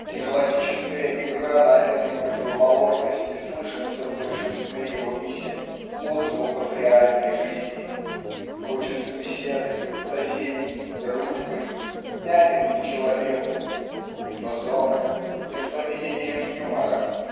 Психологическая игра на этой противоположности слышится в большинстве его писем отзвуков реальной жизни. Хочется беседы соседей дружбы тянет к человеку но зорко ясновидением юмора